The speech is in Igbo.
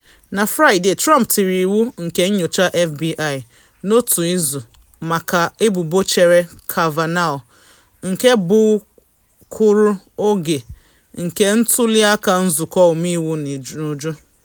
Na Fraịde, Trump tiri iwu nke nyocha FBI n’otu-izu maka ebubo chere Kavanaugh, nke gbukwuru oge nke ntuli aka Nzụkọ Ọmeiwu n’uju.